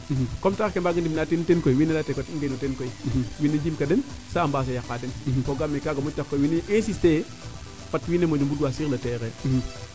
comme taxar ke mbaage ndimle in teen koy wiin we leyate fat i ngeenu teen koy wene njimka den saa a mbaasa yaqa den fopgame kaga moƴ tax koy wiin we insister yee fat wiin we moƴo mbund waa sur le terrain